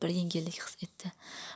yengillik his etdi